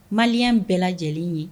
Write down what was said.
Maliya bɛɛ lajɛlen ye